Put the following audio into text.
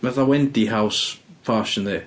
Maen nhw'n fatha wendy house posh yndi.